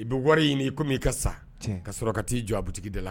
I bɛ wari in ɲini i komi' i ka sa ka sɔrɔ ka t'i jɔ a butigi de la